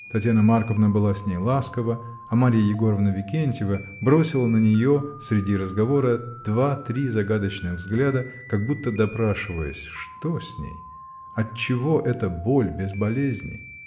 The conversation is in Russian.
Татьяна Марковна была с ней ласкова, а Марья Егоровна Викентьева бросила на нее, среди разговора, два-три загадочных взгляда, как будто допрашиваясь: что с ней? отчего эта боль без болезни?